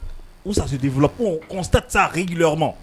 U sasudi fila ko kɔnsa tama